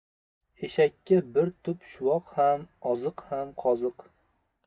eshakka bir tup shuvoq ham oziq ham qoziq